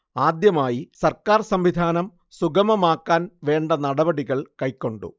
ആദ്യമായി സർക്കാർ സംവിധാനം സുഗമമാക്കാൻ വേണ്ട നടപടികൾ കൈക്കൊണ്ടു